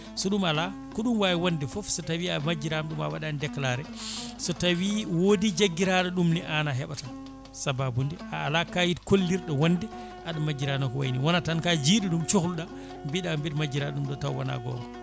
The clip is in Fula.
so ɗum ala ko ɗum wawa wonde foof so tawi a majjirama ɗum a waɗani déclaré so tawi woodi jagguiraɗo ɗum ne an a heeɓata sababude a ala kayit kollirɗo wonde aɗa majjirano ko wayini wonata tan ka jiiɗo ɗum cohluɗa mbiiɗa mbiɗa majjira ɗum ɗo taw wona gonga